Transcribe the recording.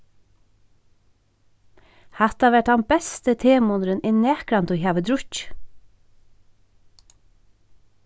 hatta var tann besti temunnurin eg nakrantíð havi drukkið